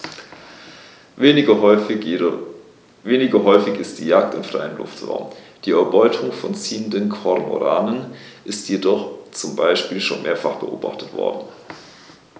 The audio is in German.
Weniger häufig ist die Jagd im freien Luftraum; die Erbeutung von ziehenden Kormoranen ist jedoch zum Beispiel schon mehrfach beobachtet worden.